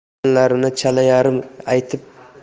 ko'rganlarini chalayarim aytib